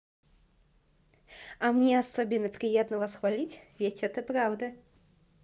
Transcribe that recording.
а мне особенно приятно вас хвалить ведь это правда